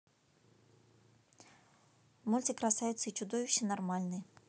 мультик красавица и чудовище нормальный